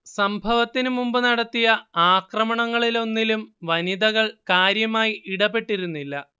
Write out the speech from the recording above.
സംഭവത്തിന് മുമ്പ് നടത്തിയ ആക്രമണങ്ങളിലൊന്നിലും വനിതകൾ കാര്യമായി ഇടപെട്ടിരുന്നില്ല